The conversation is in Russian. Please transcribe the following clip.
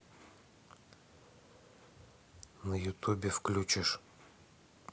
на ютубе включишь